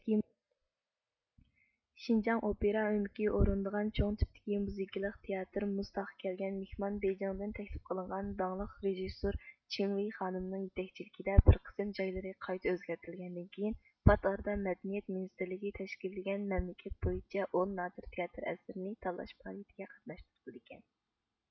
شىنجاڭ ئوپېرا ئۆمىكى ئورۇندىغان چوڭ تىپتىكى مۇزىكىلىق تىياتىر مۇز تاغقا كەلگەن مېھمان بېيجىڭدىن تەكلىپ قىلىنغان داڭلىق رىژېسسور چېڭۋېي خانىمنىڭ يېتەكچىلىكىدە بىر قىسىم جايلىرى قايتا ئۆزگەرتىلگەندىن كېيىن پات ئارىدا مەدەنىيەت مىنىستىرلىكى تەشكىللىگەن مەملىكەت بويىچە ئون نادىر تىياتىر ئەسىرىنى تاللاش پائالىيىتىگە قاتناشتۇرۇلىدىكەن